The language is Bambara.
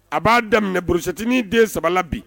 A b'a daminɛurusɛtinin den saba bi